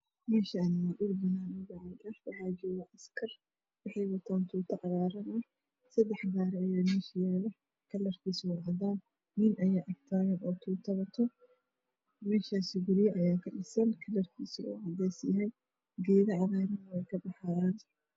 Meshan waa dhubanaan waxa joga Askar waxeyna watan tuutecagaran eh sidax gari aya mesha yaalo kalarkisacadan nin ayaa dhaxtagan tuuto wato meshas guryo ayaakadhisan kalarkisu cadesyahay geedo cagarana weykabaxayan